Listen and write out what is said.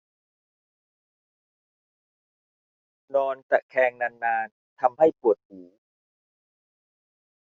นอนตะแคงนานนานทำให้ปวดหู